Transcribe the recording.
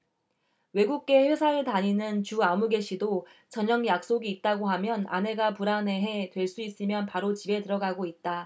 외국계 회사에 다니는 주아무개씨도 저녁 약속이 있다고 하면 아내가 불안해해 될 수 있으면 바로 집에 들어가고 있다